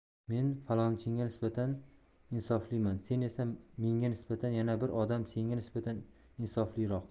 men falonchiga nisbatan insofliman sen esa menga nisbatan yana bir odam senga nisbatan insofliroq